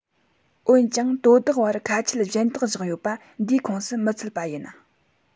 འོན ཀྱང དོ བདག བར ཁ ཆད གཞན དག བཞག ཡོད པ འདིའི ཁོངས སུ མི ཚུད པ ཡིན